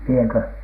minäkö